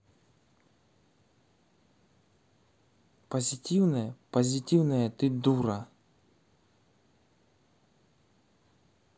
позитивная позитивная ты дура